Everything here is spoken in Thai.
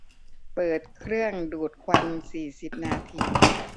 เปิดเครื่องดูดควันสี่สิบนาที